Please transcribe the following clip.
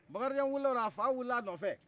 bakarijan wilila o la a fa wilila a nɔfɛ